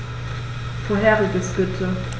Vorheriges bitte.